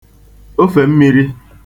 ofèmmiri